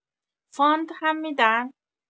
فاند هم می‌دن؟